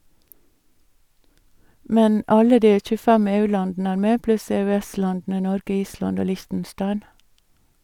Men alle de 25 EU-landene er med, pluss EØS-landene Norge, Island og Liechtenstein.